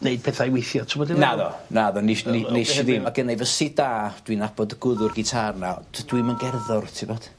neud petha i weithio t'wod dwi me'wl? Naddo. Naddo nesh ni nesh i ddim. Ma' gynnai fysydd da dwi'n nabod y gwddw'r gitâr 'na tydw i'm yn gerddor t'bod?